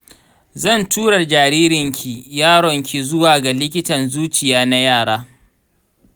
zan tura jaririnki/yaronki zuwa ga likitan zuciya na yara